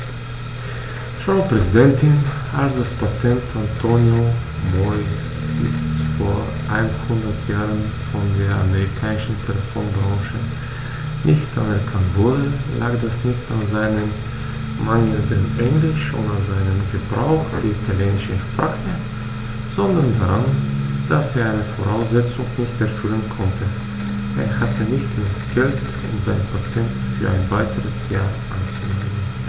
Frau Präsidentin, als das Patent Antonio Meuccis vor einhundert Jahren von der amerikanischen Telefonbranche nicht anerkannt wurde, lag das nicht an seinem mangelnden Englisch oder seinem Gebrauch der italienischen Sprache, sondern daran, dass er eine Voraussetzung nicht erfüllen konnte: Er hatte nicht genug Geld, um sein Patent für ein weiteres Jahr anzumelden.